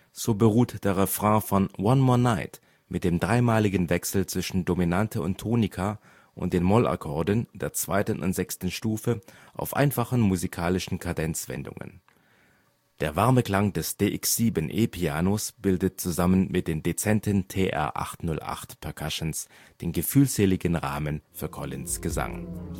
So beruht der Refrain von One More Night mit dem dreimaligen Wechsel zwischen Dominante und Tonika und den Mollakkorden der zweiten und sechsten Stufe auf einfachen musikalischen Kadenzwendungen. Der warme Klang des DX7-E-Pianos bildet zusammen mit den dezenten TR-808-Percussions den gefühlsseligen Rahmen für Collins ' Gesang